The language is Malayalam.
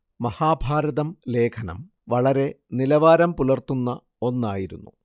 മഹാഭാരതം ലേഖനം വളരെ നിലവാരം പുലര്‍ത്തുന്ന ഒന്നായിരുന്നു